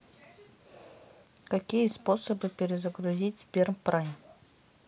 какие способы перезагрузить сбер прайм